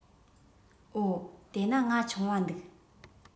འོ དེས ན ང ཆུང བ འདུག